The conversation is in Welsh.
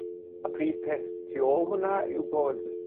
y prif peth sy tu ôl hwnna yw bod